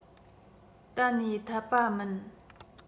གཏན ནས འཐད པ མིན